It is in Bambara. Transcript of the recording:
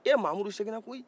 eee mahamudu seginna koyi